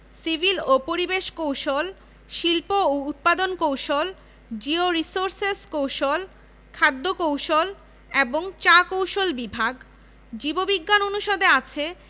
civil ও পরিবেশ কৌশল শিল্প ও উৎপাদন কৌশল জিওরির্সোসেস কৌশল খাদ্য কৌশল এবং চা কৌশল বিভাগ জীব বিজ্ঞান অনুষদে আছে